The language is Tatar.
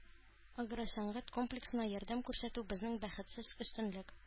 “агросәнәгать комплексына ярдәм күрсәтү – безнең бәхәссез өстенлек”